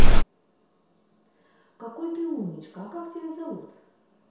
какой ты умничка а как тебя зовут